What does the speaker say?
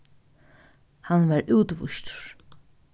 hann varð útvístur